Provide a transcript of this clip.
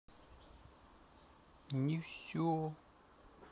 не все